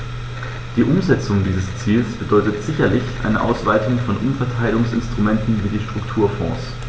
Die Umsetzung dieses Ziels bedeutet sicherlich eine Ausweitung von Umverteilungsinstrumenten wie die Strukturfonds.